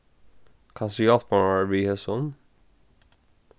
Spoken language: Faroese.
kanst tú hjálpa mær við hesum